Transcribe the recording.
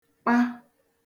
kpa